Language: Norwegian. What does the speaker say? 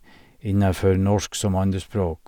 Innafor norsk som andrespråk.